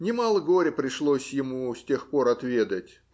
Немало горя пришлось ему с тех пор отведать.